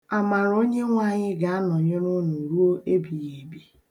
Amara Onyenweanyị ga-anọnyere unu ruo ebighiebi.